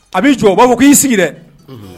A bɛi jɔ b'a fɔ ko y'i sigi dɛ